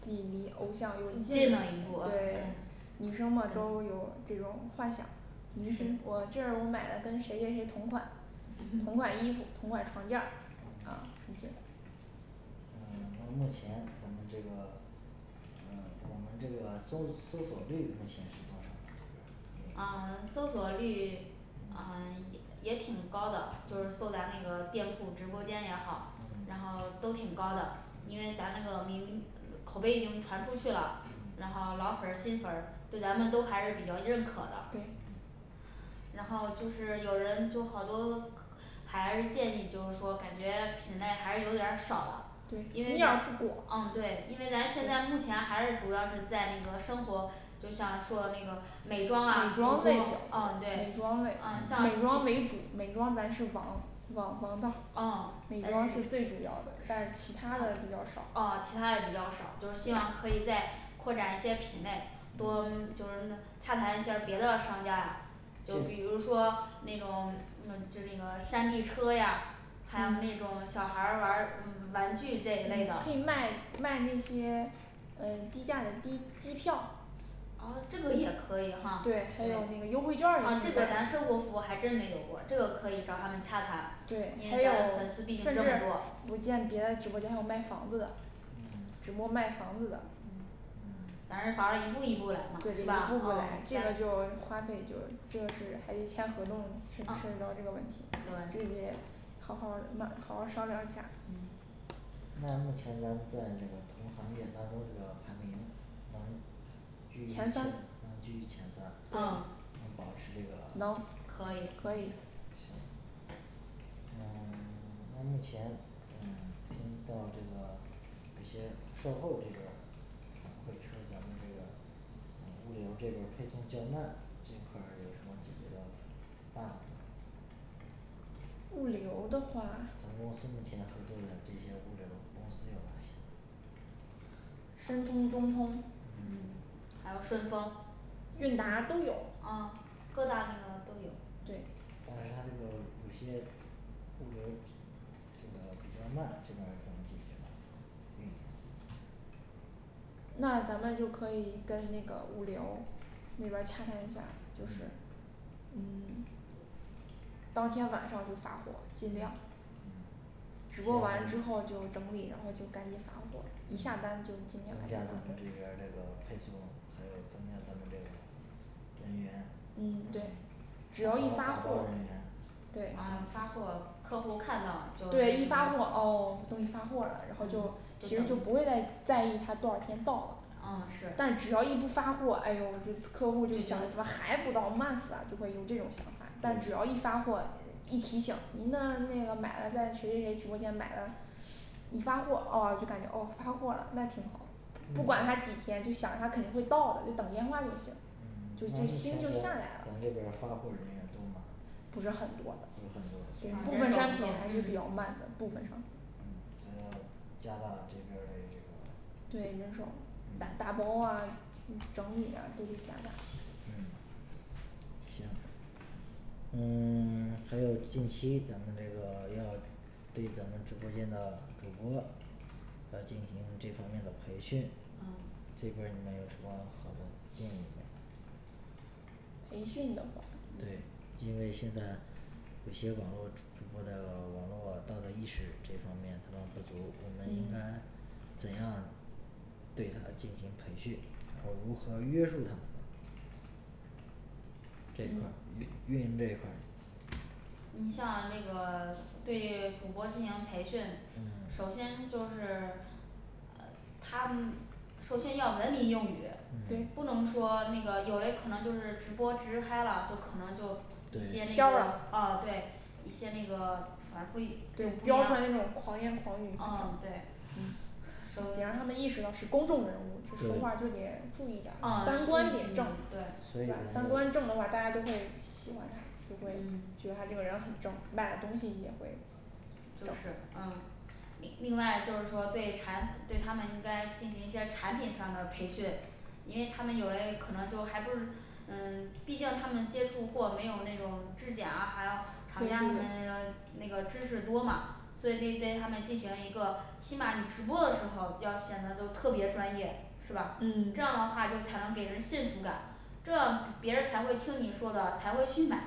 自己离偶像又又近近了了一一步步对嗯女生嘛都有这种幻想。明星我是嗯这是我买的跟谁谁谁同款同嗯款衣服同款床垫儿啊你嗯觉得呢嗯那目前咱们这个呃我们这个搜搜索率目前是多少呢这边儿嗯啊搜索率啊嗯也也挺高的，就是搜嗯咱那个店铺直播间也好然嗯后都挺高的因为咱嗯那个名口碑已经传出去了然嗯后老粉儿新粉儿对咱们都还是比较认可的对，嗯然后就是有人就好多还是建议就是说感觉品类还是有点儿少了对因为面儿不广嗯对因为咱现在目前还是主要是在那个生活就像做那个美妆啊美啊妆对类的嗯美妆类美像妆为主美妆咱是王王王道儿嗯美妆是最主要的，但是其它的比较少啊其它也比较少，就是希望可以再扩展一些品类，多就是洽谈一下儿别的厂家呀，就比如对说那种那种就是那个山地车呀还有那种嗯小孩儿玩儿玩 具这一类的可，以卖卖那些嗯低价的低机票啊这个也可以哈，对还有那个优惠劵儿啊嗯，这个咱生活服务还真没有过，这个可以找他们洽谈，对因还为有咱粉丝甚毕至竟这么多我见别的直播间还有卖房子的嗯直播卖房子的嗯嗯咱是反正一步一步来对嘛对是一吧步嗯步来，这个就这个花费就就是还得签合同，嗯是不涉及到这个问题这个对也好好儿嘛 好好儿商量一下嗯那目前咱在这个同行业当中这个排名能居能前三居于前三，嗯啊能保持这个能可可以以行嗯 那目前嗯听到这个一些售后这边儿反馈称咱们这个嗯物流儿这个配送较慢，这块儿有什么解决的办法吗物流儿的话，咱公司目前合作的这些物流儿公司有哪些申通、中通嗯还有顺风，韵达都有、啊各大那个都有对但是他这个有些物流儿这 这个比较慢这边儿怎么解决的嗯那咱们就可以跟那个物流那边儿洽谈一下就是嗯嗯当天晚上就发货尽嗯嗯量直播完之先后就整理，然后就赶紧发货，一嗯增加下咱们单这就尽边量儿这个配送，还有增加咱们这个人员还嗯对有只打要包一发打包货人员，对然后发货客户看到了就对一发货哦东西发货了然后就其实就不会再在意他多少天到了啊是但只要一不发货，哎呦这客户儿就想怎么还不到慢死了，就会有这种想法，但只要对一发货一提醒您的那个买了在谁谁谁直播间买了，你发货噢就感觉发货了那挺好不管他几嗯天就想他肯定会到的，就等电话就行嗯那目前咱就就心就下来了，咱这边儿发货人员多吗不是很不多的所是以很多部分商品还是比较慢的部分商品嗯还要加大这边嘞这对个人手打嗯打包啊整理啊这些啥的。嗯行嗯 还有近期咱们这个要对咱们直播间的主播要进行这方面的培训嗯这块儿你们有什么好的建议没培训的话对因为现在有些网络直播的网络道德意识这方面他们不足我们应该嗯怎样对他进行培训和如何约束他们呢这块儿嗯运运营这块儿你像这个对主播进行培训，首嗯先就是他们首先要文明用语嗯不对能说那个有嘞可能就是直播直嗨了就可能就一些那对飘个了啊对一些那个反馈就对不一彪样出来那种狂言狂语嗯对嗯得让他们意识到是公众人物儿，这说话就对得注意啊点儿三观得正所是以咱吧对三观正的话大要家都会喜欢他就会嗯觉得他这个人很正，卖的东西也会就正是啊另外就是说对产品对他们应该进行一些产品上的培训因为他们有嘞可能就还不是，嗯毕竟他们接触货没有那种质检啊，还有对厂家什么的对 那个知识多嘛所以得给他们进行一个起码你直播的时候要显得都特别专业是吧这样嗯的话就才能给人信服感，这样别别人儿才会听你说的才会去买